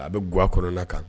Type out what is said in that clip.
A be guwa kɔnɔna kan.